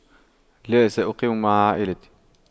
لا سأقيم مع عائلتي